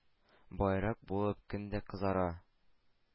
Байрак булып көн дә кызара.